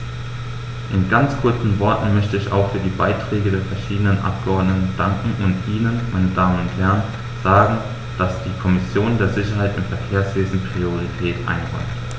In ganz kurzen Worten möchte ich auch für die Beiträge der verschiedenen Abgeordneten danken und Ihnen, meine Damen und Herren, sagen, dass die Kommission der Sicherheit im Verkehrswesen Priorität einräumt.